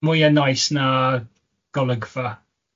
mwya neis na golygfa.